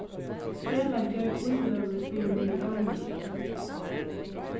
felag ger íløgur fyri milliónir